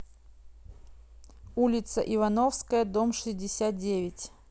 улица ивановская дом шестьдесят девять